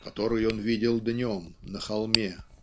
который он видел днем на холме".